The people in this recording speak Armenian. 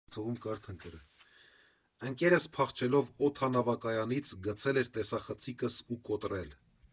Ընկերս, փախչելով օդանավակայանից, գցել էր տեսախցիկս ու կոտրել։